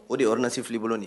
O de ye rsili bolo ye